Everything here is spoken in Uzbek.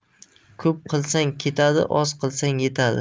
ko'p qilsang ketadi oz qilsang yetadi